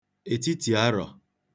ètitì afọ̀